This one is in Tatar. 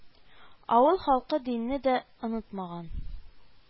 Авыл халкы динне дә онытмаган